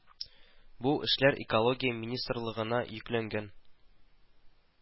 Бу эшләр Экология министрлыгына йөкләнгән